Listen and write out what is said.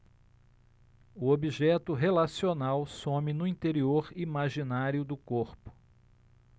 o objeto relacional some no interior imaginário do corpo